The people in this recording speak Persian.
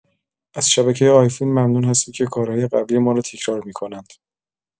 از شبکه آی‌فیلم ممنون هستم که کارهای قبلی ما را تکرار می‌کنند.